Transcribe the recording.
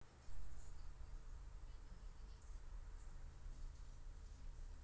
вспомни гимн россии